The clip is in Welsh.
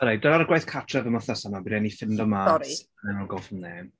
Alright dyna'r gwaith cartref am wythnos yma bydd rhaid i ni ffeindio mas... Sori. ...and then we'll go from there.